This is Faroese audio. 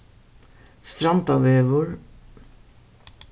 strandavegur